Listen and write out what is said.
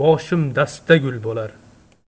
boshim dasta gul bo'lar